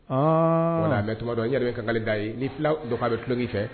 Ko'a bɛ to i yɛrɛ bɛ ka da ye ni dɔ k a bɛ tuloloki fɛ